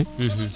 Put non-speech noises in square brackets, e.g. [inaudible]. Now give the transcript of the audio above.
[hesitation] [hesitation]